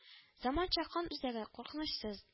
Заманча кан үзәге – куркынычсыз